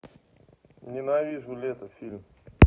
ненавижу лето фильм